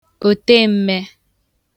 òtem̀me